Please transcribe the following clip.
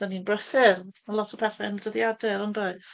Dan ni'n brysur! Mae lot o bethe yn y dyddiadur, yn does?